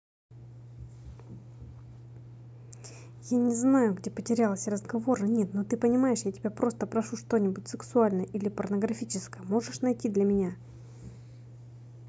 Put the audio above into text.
я не знаю где потерялась разговора нет ну ты понимаешь я тебя просто прошу что нибудь сексуальное или порнографическое можешь найти для меня